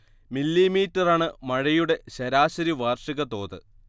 മില്ലീമീറ്ററാണ് മഴയുടെ ശരാശരി വാർഷിക തോത്